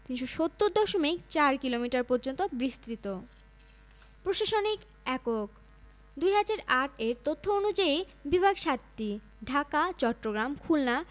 ৭৬০ kilometre সময়ঃ Greenwich প্রমাণ সমইয়ের চাইতে ৬ ঘন্টা বেশি আয়তন ও সীমাঃ আয়তন ১লক্ষ ৪৭হাজার ৫৭০বর্গকিলোমিটার